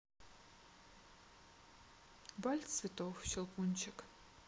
вальс цветов щелкунчик